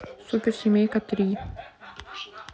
суперсемейка три